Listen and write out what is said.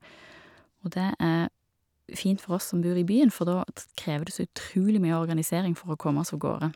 Og det er fint for oss som bor i byen, for da t krever det så utrolig mye organisering for å komme oss avgårde.